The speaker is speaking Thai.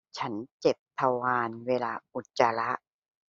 ฉันเจ็บทวารเวลาอุจจาระ